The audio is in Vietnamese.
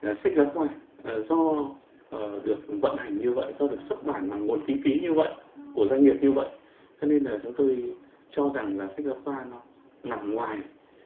giá sách giáo khoa do ờ được vận hành như vậy do được xuất bản bằng nguồn kinh phí như vậy của doanh nghiệp như vậy cho nên là chúng tôi cho rằng là sách giáo khoa nào nằm ngoài